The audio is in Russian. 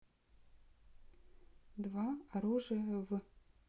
два оружия в